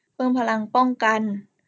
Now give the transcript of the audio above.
เพิ่มพลังป้องกัน